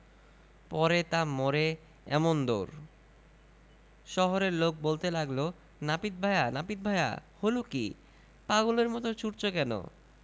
পড়ে তা মরে এমন দৌড় শহরের লোক বলতে লাগল নাপিত ভায়া নাপিত ভায়া হল কী পাগলের মতো ছুটছ কেন